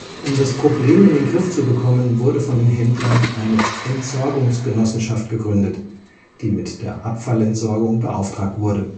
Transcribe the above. Um das Problem in den Griff zu bekommen, wurde von den Händlern eine Entsorgungsgenossenschaft gegründet, die mit der Abfallentsorgung beauftragt wurde